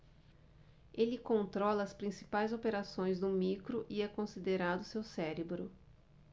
ele controla as principais operações do micro e é considerado seu cérebro